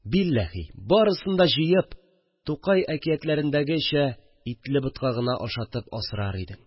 Билләһи, барысын да җыеп, Тукай әкиятләрендәгечә, итле бутка гына ашатып асрар идең